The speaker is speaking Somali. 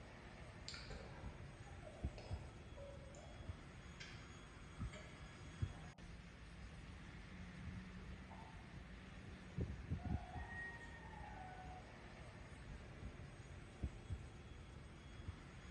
Waxaa ii muuqdo ti aada fara badan oo la dubay oo meel la saaray howlagadaayo oo jaale ah